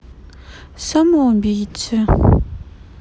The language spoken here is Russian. самоубийцы